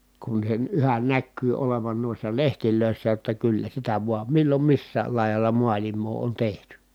kun sen yhä näkyy olevan noissa lehdissä jotta kyllä sitä vain milloin missäkin laidalla maailmaa on tehty